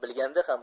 bilganda ham